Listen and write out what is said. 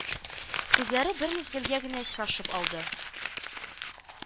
Күзләре бер мизгелгә генә очрашып алды